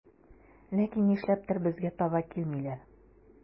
Ләкин нишләптер безгә таба килмиләр.